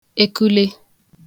ekule